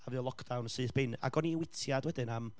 a fuodd lockdown syth bin, ac o'n i'n witsiad wedyn am,